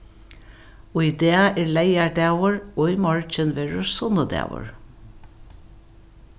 í dag er leygardagur og í morgin verður sunnudagur